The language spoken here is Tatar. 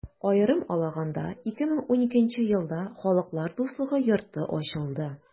Аерым алаганда, 2012 нче елда Халыклар дуслыгы йорты ачылды.